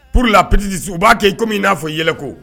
Pur la ptesi u b'a kɛ kɔmi min in n'a fɔ yɛlɛ ko